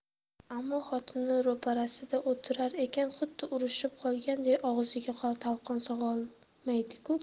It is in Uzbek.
ammo xotini ro'parasida o'tirar ekan xuddi urishib qolganday og'ziga talqon solvolmaydiku